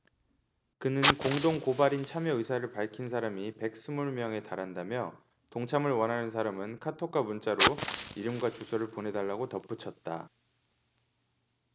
그는 공동 고발인 참여 의사를 밝힌 사람이 백 스물 명에 달한다며 동참을 원하는 사람은 카톡과 문자로 이름과 주소를 보내달라고 덧붙였다